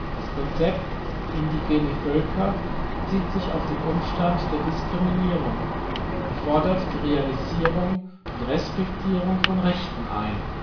Das Konzept " Indigene Völker " bezieht sich auf den Umstand der Diskriminierung und fordert die Realisierung und Respektierung von Rechten ein